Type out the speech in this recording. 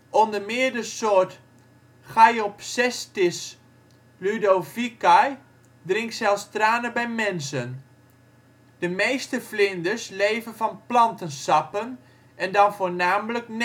Onder meer de soort Chaeopsestis ludovicae drinkt zelfs tranen bij mensen. De meeste vlinders leven van plantensappen en dan voornamelijk nectar